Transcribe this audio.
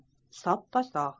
soppa sog'